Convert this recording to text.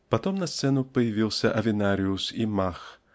Потом на сцену появился Авенариус и Мах